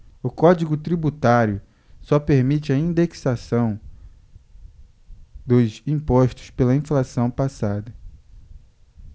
o código tributário só permite a indexação dos impostos pela inflação passada